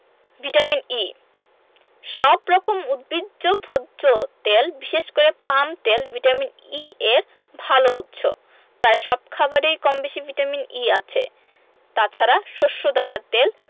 vitamin E সব রকম উদ্ভিজ্জ ভোজ্য তেল বিশেষ করে পাম তেল ভিটামিন E এর ভালো উৎস প্রায় সব খাবারেই কমবেশি ভিটামিন E আছে তাছাড়া শস্যদানার তেল